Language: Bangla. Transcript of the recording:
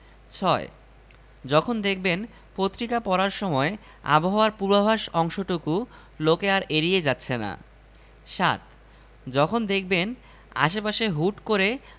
ঢোকা বেশির ভাগ লোকের আসলে এটিএম কার্ডই নেই ৩. যখন দেখবেন শার্টের ওপরের দুটি বোতাম খোলা রাখলেও মুরব্বিরা রাগ করছেন না ৪. যখন দেখবেন